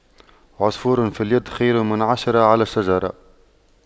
عصفور في اليد خير من عشرة على الشجرة